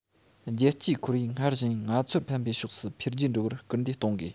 རྒྱལ སྤྱིའི ཁོར ཡུག སྔར བཞིན ང ཚོར ཕན པའི ཕྱོགས སུ འཕེལ རྒྱས འགྲོ བར སྐུལ འདེད གཏོང དགོས